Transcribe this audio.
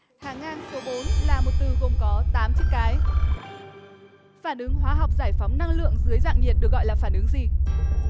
hàng ngang số bốn là một từ gồm có tám chữ cái phản ứng hóa học giải phóng năng lượng dưới dạng nhiệt được gọi là phản ứng gì